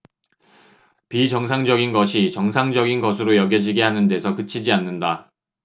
비정상적인 것이 정상적인 것으로 여겨지게 하는 데서 그치지 않는다